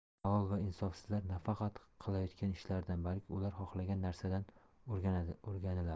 halol va insofsizlar nafaqat qilayotgan ishlaridan balki ular xohlagan narsadan o'rganiladi